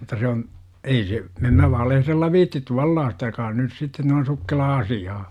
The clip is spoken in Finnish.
mutta se on ei se en minä valehdella viitsi tuollaista joka on nyt sitten noin sukkelaa - asiaa